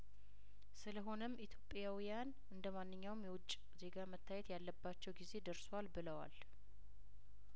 ስለሆነም ኢትዮጵያውያን እንደማንኛውም የውጭ ዜጋ መታየት ያለባቸው ጊዜ ደርሷል ብለዋል